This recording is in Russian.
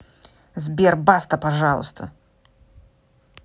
сбер баста пожалуйста